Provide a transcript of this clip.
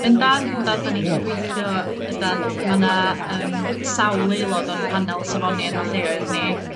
Yndan yndan 'dan ni'n cydweithio ydan ma' 'na yym sawl aelod o'n panel safoni enwa' lleoedd ni